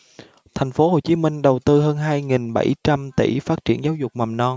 thành phố hồ chí minh đầu tư hơn hai nghìn bảy trăm tỷ phát triển giáo dục mầm non